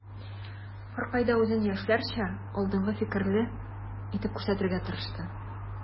Һәркайда үзен яшьләрчә, алдынгы фикерле итеп күрсәтергә тырышты.